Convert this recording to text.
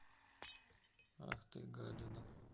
ах ты гадина